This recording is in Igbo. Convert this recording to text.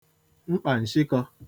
mkpà ǹsịkō